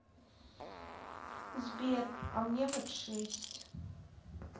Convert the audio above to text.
сбер а мне вот шесть